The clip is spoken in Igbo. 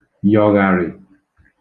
yọ̀ghàrị̀